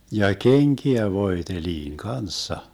ja kenkiä voideltiin kanssa